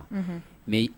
Unuhn, me